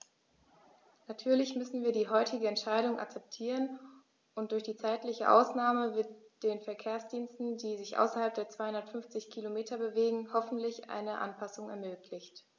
Natürlich müssen wir die heutige Entscheidung akzeptieren, und durch die zeitliche Ausnahme wird den Verkehrsdiensten, die sich außerhalb der 250 Kilometer bewegen, hoffentlich eine Anpassung ermöglicht.